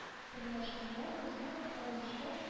Берләшергә, безне буучы